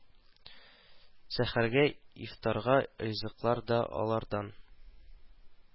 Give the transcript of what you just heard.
Сәхәргә, ифтарга ризыклар да алардан